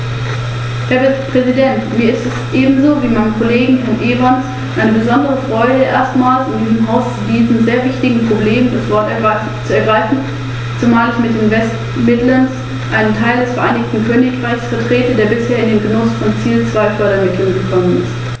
Darin geht es um die Sozialwirtschaft und die Notwendigkeit der Bereitstellung von "social risk capital" und der finanziellen Unterstützung von lokalen Programmen zur Schaffung von Beschäftigungsmöglichkeiten und zur Stärkung des sozialen Zusammenhalts.